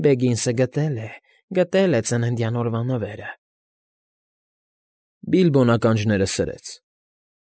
Բեիինս֊ս֊սը գտել է, գտել է ծննդյան օրվա նվերը… Բիլբոն ականջները սրեց։